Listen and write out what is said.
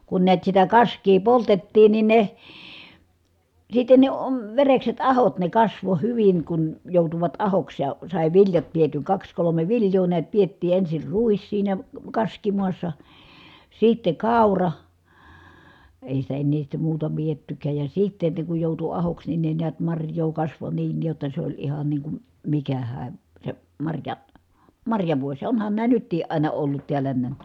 kun näet sitä kaskea poltettiin niin ne sitten ne - verekset ahot ne kasvoi hyvin kun joutuivat ahoksi ja sai viljat pidetyn kaksi kolme viljaa näet pidettiin ensin ruis siinä kaskimaassa sitten kaura ei sitä enää sitten muuta pidettykään ja sitten ne kun joutui ahoksi niin ne näet marjaa kasvoi niin jotta se oli ihan niin kuin mikähän se - marjavuosi ja onhan nämä nytkin aina ollut täällä nämä